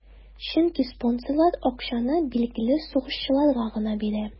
Чөнки спонсорлар акчаны билгеле сугышчыларга гына бирә.